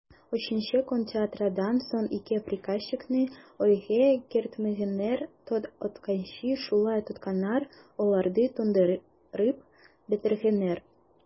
Өченче көн театрдан соң ике приказчикны өйгә кертмәгәннәр, таң атканчы шулай тотканнар, аларны туңдырып бетергәннәр.